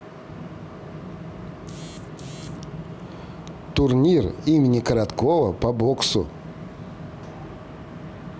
турнир имени короткова по боксу